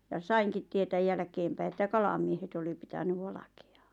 ja sainkin tietää jälkeenpäin että kalamiehet oli pitänyt valkeaa